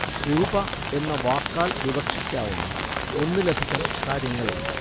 രൂപ എന്ന വാക്കാൽ വിവക്ഷിക്കാവുന്ന ഒന്നിലധികം കാര്യങ്ങളുണ്ട്